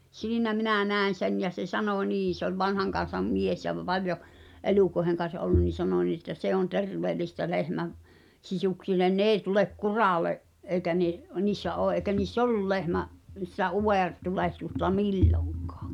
siinä minä näen sen ja se sanoi niin se oli vanhan kansan mies ja - paljon elukoiden kanssa ollut niin sanoi niin että se on terveellistä lehmän sisuksille ne ei tule kuralle eikä ne niissä ole eikä niissä ollut lehmän sitä utaretulehdusta milloinkaan